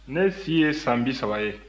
ne si ye san bi saba ye